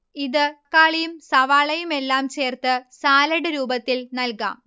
ഇത് തക്കാളിയും സവാളയുമെല്ലാം ചേർത്ത് സാലഡ് രൂപത്തിൽ നൽകാം